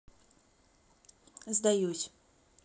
сдаюсь